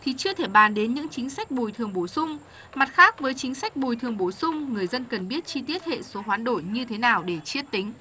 thì chưa thể bàn đến những chính sách bồi thường bổ sung mặt khác với chính sách bồi thường bổ sung người dân cần biết chi tiết hệ số hoán đổi như thế nào để chiết tính